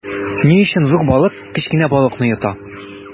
Ни өчен зур балык кечкенә балыкны йота?